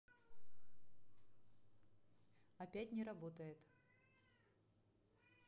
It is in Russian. опять не работает